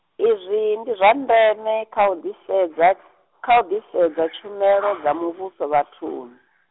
izwi ndi zwa ndeme kha u ḓisedza, kha u ḓisedza tshumelo dza muvhuso vhathuni.